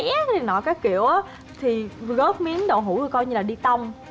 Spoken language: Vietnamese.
này nọ các kiểu á thì gớt miếng đậu hũ coi như là đi tong